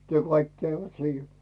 ja kaikki jäivät sinne